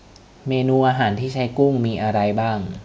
เมนูอาหารที่ใช้กุ้งมีอะไรบ้าง